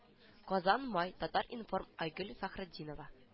Казан май татар-информ айгөл фәхретдинова